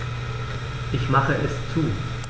Ich mache es zu.